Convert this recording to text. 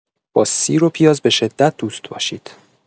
با سیر و پیاز به‌شدت دوست باشید.